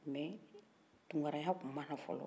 mais tunkaraya tun ma na folon